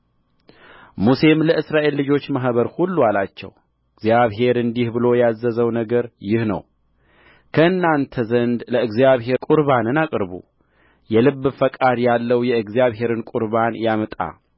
ሙሴም ለእስራኤል ልጆች ማህበር ሁሉ አላቸው እግዚአብሔር እንዲህ ብሎ ያዘዘው ነገር ይህ ነው ከእናንተ ዘንድ ለእግዚአብሔር ቍርባንን አቅርቡ የልብ ፈቃድ ያለው የእግዚአብሔርን ቍርባን ያምጣ